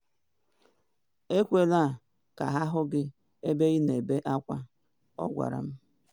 “Ekwena ka ha hụ gị ebe ị na ebe akwa, “ọ gwara m.